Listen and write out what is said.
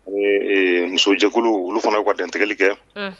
oui ɛɛ , musojɛkulu olu fana y'u ka dantigɛli kɛ.